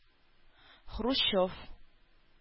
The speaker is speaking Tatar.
Хрущев